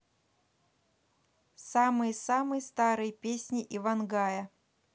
самые самые старые песни ивангая